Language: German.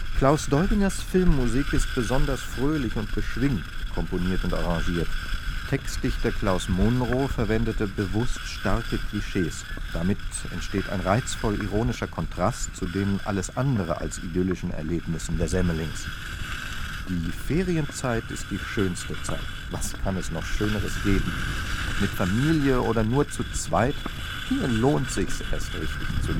Klaus Doldingers Filmmusik ist besonders fröhlich und beschwingt komponiert und arrangiert, Textdichter Klaus Munro verwendete bewußt starke Klischees. Damit entsteht ein reizvoll ironischer Kontrast zu den alles andere als idyllischen Erlebnissen der Semmelings: Die Ferienzeit ist die schönste Zeit, was kann es noch schöneres geben? Ob mit Familie oder nur zu zweit, hier lohnt sich’ s erst richtig zu